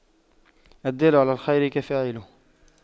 الدال على الخير كفاعله